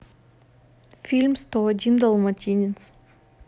фильм сто один далматинец